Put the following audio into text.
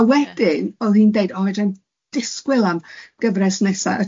A wedyn o'dd hi'n deud o fedra i'm disgwyl am gyfres nesa